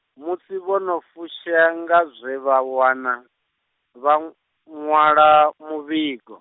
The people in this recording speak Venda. musi vho no fushea nga zwe vha wana, vha n- ṅwala muvhigo.